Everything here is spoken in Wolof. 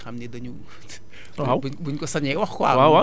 peut être ngooñ yi xam ni dañu